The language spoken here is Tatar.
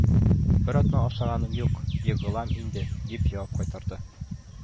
Бер атна ашаганым юк, егылам инде, – дип җавап кайтарды